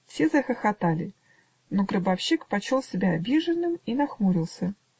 Все захохотали, но гробовщик почел себя обиженным и нахмурился.